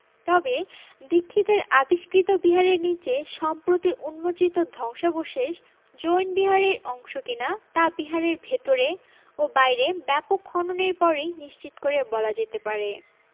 তবে দীক্ষিতের আবিষ্কৃত বিহারের নিচে সম্প্রতি উন্মোচিত ধ্বংসাবশেষ জৈন বিহারের অংশ কিনা তা বিহারের ভেতরে ও বাইরে ব্যাপক খননের পরই নিশ্চিত করে বলা যেতে পারে